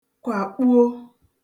kwàkpuo